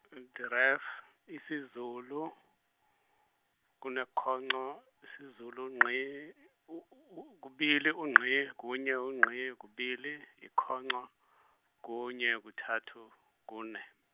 , isiZulu, kunekhongco isiZulu ngqi u- u- kubili ungqi kunye ungqi kubili ikhongco kunye kuthathu kune.